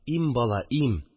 Им, бала, им